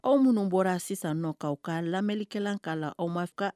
Aw minnu bɔra sisan nɔ ka ka lamɛnlikɛla ka la aw ma